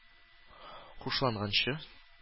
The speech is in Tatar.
Хушланганчы